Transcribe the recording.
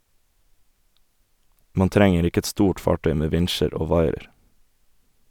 Man trenger ikke et stort fartøy med vinsjer og vairer.